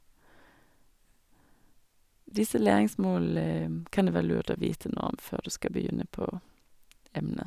Disse læringsmål kan det være lurt å vite noe om før du skal begynne på emnet.